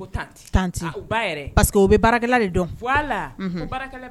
Bɛ